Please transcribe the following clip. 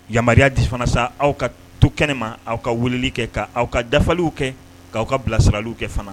Yamaruya di fana sa aw ka to kɛnɛma aw ka weleli kɛ ka' aw ka dafaliw kɛ k'aw ka bilasiraliw kɛ fana